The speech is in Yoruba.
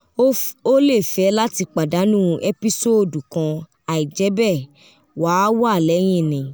O le fẹ lati padanu ẹpisodu kan aijẹbẹ, wa wa lehin ni.